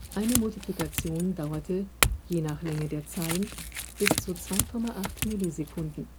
Eine Multiplikation dauerte (je nach Länge der Zahlen) bis zu 2,8 Millisekunden